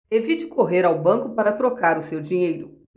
evite correr ao banco para trocar o seu dinheiro